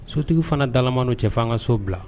Sotigiw fana dalama don cɛ fan ka so bila.